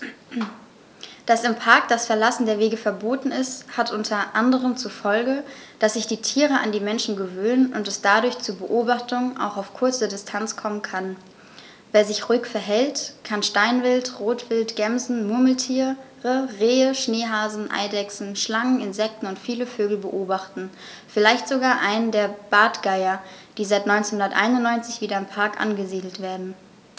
Dass im Park das Verlassen der Wege verboten ist, hat unter anderem zur Folge, dass sich die Tiere an die Menschen gewöhnen und es dadurch zu Beobachtungen auch auf kurze Distanz kommen kann. Wer sich ruhig verhält, kann Steinwild, Rotwild, Gämsen, Murmeltiere, Rehe, Schneehasen, Eidechsen, Schlangen, Insekten und viele Vögel beobachten, vielleicht sogar einen der Bartgeier, die seit 1991 wieder im Park angesiedelt werden.